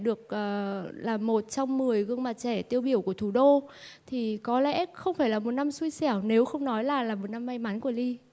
được là là một trong mười gương mặt trẻ tiêu biểu của thủ đô thì có lẽ không phải là một năm xui xẻo nếu không nói là là một năm may mắn của ly